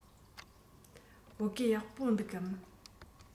བོད གོས ཡག པོ འདུག གམ